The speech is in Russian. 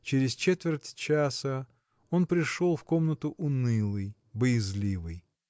Через четверть часа он пришел в комнату унылый, боязливый.